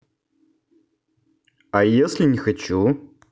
а если не хочу